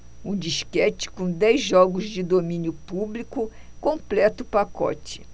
um disquete com dez jogos de domínio público completa o pacote